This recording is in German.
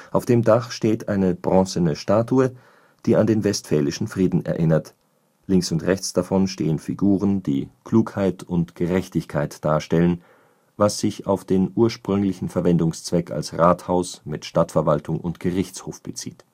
Auf dem Dach steht eine bronzene Statue, die an den Westfälischen Frieden erinnert, links und rechts davon stehen Figuren, die Klugheit und Gerechtigkeit darstellen, was sich auf den ursprünglichen Verwendungszweck als Rathaus mit Stadtverwaltung und Gerichtshof bezieht